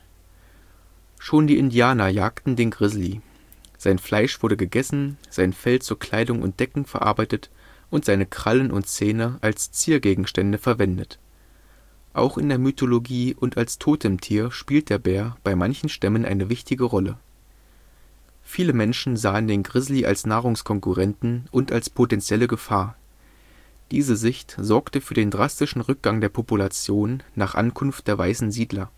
Schon die Indianer jagten den Grizzly. Sein Fleisch wurde gegessen, sein Fell zu Kleidung und Decken verarbeitet und seine Krallen und Zähne als Ziergegenstände verwendet. Auch in der Mythologie und als Totemtier spielt der Bär bei manchen Stämmen eine wichtige Rolle. Viele Menschen sahen den Grizzly als Nahrungskonkurrenten und als potentielle Gefahr. Diese Sicht sorgte für den drastischen Rückgang der Population nach Ankunft der weißen Siedler